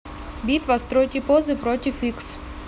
битва стройте позы против x